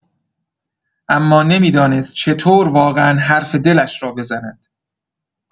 اما نمی‌دانست چطور واقعا حرف دلش را بزند.